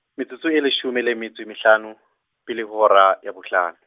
metsotso e leshome le metso e mehlano, pele ho hora, ya bohlano.